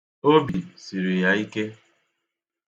Obi siri ya ike.